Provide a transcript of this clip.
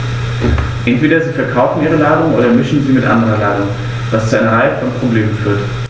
Entweder sie verkaufen ihre Ladung oder mischen sie mit anderer Ladung, was zu einer Reihe von Problemen führt.